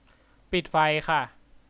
ปิดไฟค่ะ